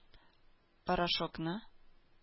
Порошокны